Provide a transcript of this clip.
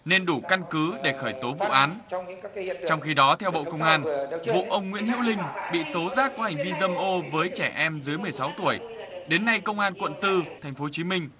nên đủ căn cứ để khởi tố vụ án trong khi đó theo bộ công an vụ ông nguyễn hữu linh bị tố giác hành vi dâm ô với trẻ em dưới mười sáu tuổi đến nay công an quận tư thành phố chí minh